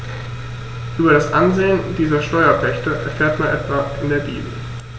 Über das Ansehen dieser Steuerpächter erfährt man etwa in der Bibel.